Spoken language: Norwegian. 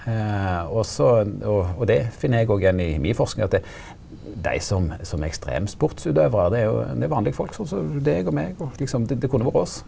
og så og og det finn eg òg igjen i mi forsking at dei som som er ekstremsportsutøvarar, det er jo det er vanlig folk sånn som deg og meg og liksom det det kunne vore oss.